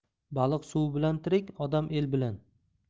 baliq suv bilan tirik odam el bilan